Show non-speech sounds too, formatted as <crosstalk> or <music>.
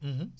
<hesitation> <hesitation>